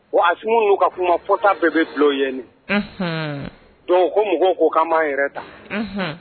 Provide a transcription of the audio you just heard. Wa a sun n'u ka kuma fota bɛɛ bɛ bulon yeni don ko mɔgɔw ko k' yɛrɛ ta